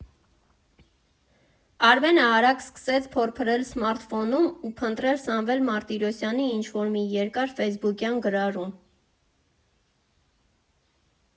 Արմենը արագ սկսեց փորփրել սմարթֆոնում ու փնտրել Սամվել Մարտիրոսյանի ինչ֊որ մի երկար ֆեյսբուքյան գրառում։